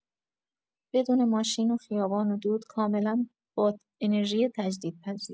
بدون ماشین و خیابان و دود، کاملا با انرژی تجدیدپذیر